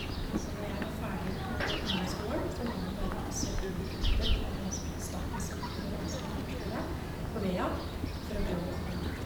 Så når jeg var ferdig på ungdomsskolen, så var det bare å søke direkte på noe som heter Statens gartner- og blomsterdekoratørskole, på Vea, for å prøve å komme inn der.